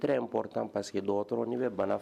I tarawele in potan paseke dɔrɔn' bɛ bana